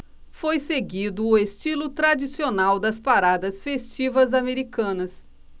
foi seguido o estilo tradicional das paradas festivas americanas